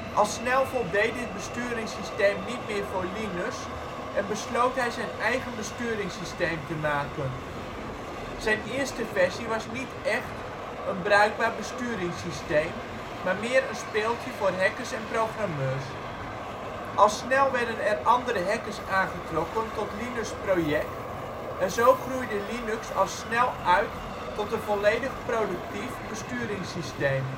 Al snel voldeed dit besturingssysteem niet meer voor Linus en besloot hij zijn eigen besturingssysteem te maken. Zijn eerste versie was niet echt een bruikbaar besturingssysteem, maar meer een speeltje voor hackers en programmeurs. Al snel werden er andere hackers aangetrokken tot Linus ' project en zo groeide Linux al snel uit tot een volledig productief besturingssysteem